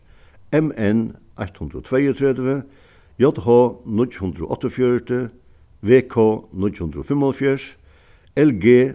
m n eitt hundrað og tveyogtretivu j h níggju hundrað og áttaogfjøruti v k níggju hundrað og fimmoghálvfjerðs l g